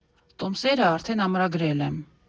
Տոմսերը արդեն ամրագրել եմ։